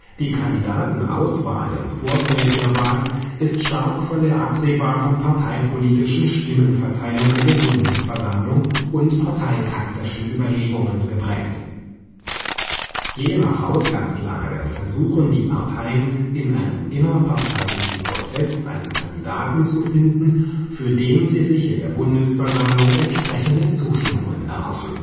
Die Kandidatenauswahl im Vorfeld der Wahl ist stark von der absehbaren parteipolitischen Stimmverteilung in der Bundesversammlung und parteitaktischen Überlegungen geprägt. Je nach Ausgangslage versuchen die Parteien, in einem innerparteilichen Prozess einen Kandidaten zu finden, für den sie sich in der Bundesversammlung entsprechende Zustimmungen erhoffen